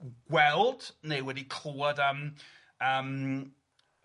gw- gweld neu wedi clwad am am